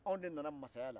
anw de nana mansaya la